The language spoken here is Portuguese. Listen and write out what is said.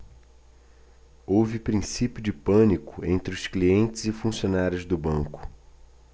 houve princípio de pânico entre os clientes e funcionários do banco